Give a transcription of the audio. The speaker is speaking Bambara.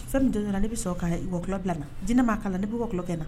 Fɛn min don dɔ la, ne bɛ sɔn ka wɔkulɔ bila nin na, jinɛ mana k'a la, ne bɛ wɔkulɔ kɛ nin na.